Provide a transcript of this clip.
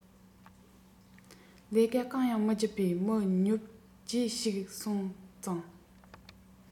ལས ཀ གང ཡང མི སྒྱིད པའི མི ཉོབ སྒྱེ ཞིག སོང ཙང